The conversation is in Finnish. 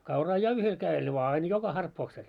kauraa ja yhdellä kädellä vain aina joka harppauksella